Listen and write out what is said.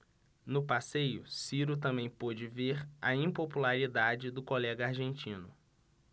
no passeio ciro também pôde ver a impopularidade do colega argentino